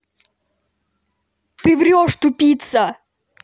ты врешь тупица